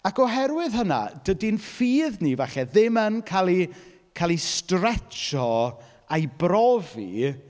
Ac oherwydd hynna, dydy'n ffydd ni, falle, ddim yn cael ei, cal e stretsio a'i brofi...